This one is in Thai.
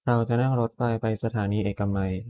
เราจะนั่งรถไฟไปสถานีเอกมัย